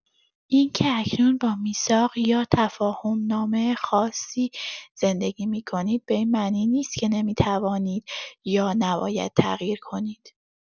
اینکه اکنون با میثاق یا تفاهم‌نامه خاصی زندگی می‌کنید به این معنی نیست که نمی‌توانید یا نباید تغییر کنید.